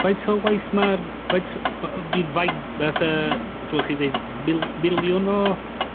...faint o waith ma'r, faint, py- I mean faint nath yr t'mo' o'ch chi''n deud mil- miliwn o